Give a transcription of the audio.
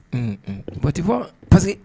Un batip pa que